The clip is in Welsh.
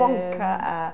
Wonka a...